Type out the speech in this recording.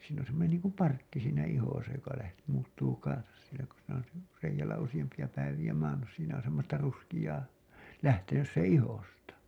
siinä on semmoinen niin kuin parkki siinä ihossa joka - muuttuu kanssa siellä kun siinä on - reiällä useampia päiviä maannut siinä on semmoista ruskeaa lähtenyt sen ihosta